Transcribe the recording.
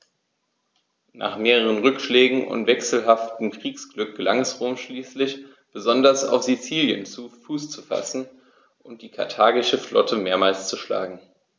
Nach mehreren Rückschlägen und wechselhaftem Kriegsglück gelang es Rom schließlich, besonders auf Sizilien Fuß zu fassen und die karthagische Flotte mehrmals zu schlagen.